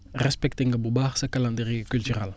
respecté nga bu baax sa calendrier cultural